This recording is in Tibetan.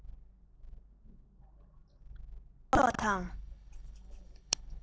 སེམས ཁམས ཀྱི